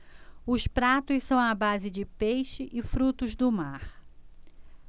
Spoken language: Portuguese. os pratos são à base de peixe e frutos do mar